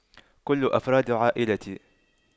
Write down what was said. كل أفراد عائلتي